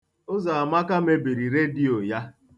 Ụzọamaka mebiri redio ya.